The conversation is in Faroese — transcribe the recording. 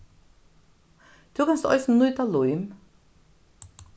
tú kanst eisini nýta lím